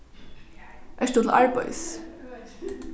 ert tú til arbeiðis